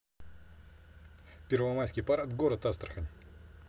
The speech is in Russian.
первомайский парад город астрахань